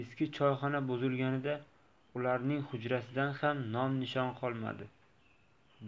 eski choyxona buzilganida ularning hujrasidan ham nom nishon qolmadi